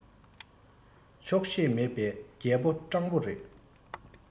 ཆོག ཤེས མེད པའི རྒྱལ པོ སྤྲང པོ རེད